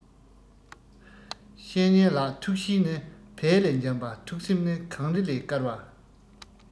བཤེས གཉེན ལགས ཐུགས གཤིས ནི བལ ལས འཇམ པ ཐུགས སེམས ནི གངས རི ལས དཀར བ